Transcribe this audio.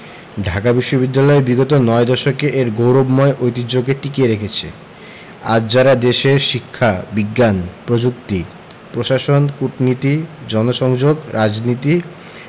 ঢাকা বিশ্ববিদ্যালয় বিগত নয় দশকে এর গৌরবময় ঐতিহ্যকে টিকিয়ে রেখেছে আজ যাঁরা দেশের শিক্ষা বিজ্ঞান প্রযুক্তি প্রশাসন কূটনীতি জনসংযোগ রাজনীতি